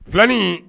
Filanin